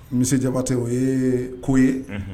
Monsieur Jabate o ye ko ye, unhun